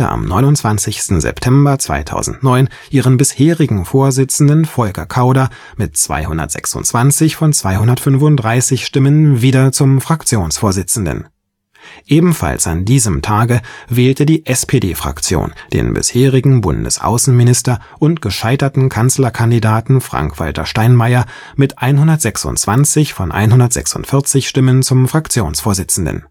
am 29. September 2009 ihren bisherigen Vorsitzenden Volker Kauder mit 226 von 235 Stimmen wieder zum Fraktionsvorsitzenden. Ebenfalls an diesem Tage wählte die SPD-Fraktion den bisherigen Bundesaußenminister und gescheiterten Kanzlerkandidaten Frank-Walter Steinmeier mit 126 von 146 Stimmen zum Fraktionsvorsitzenden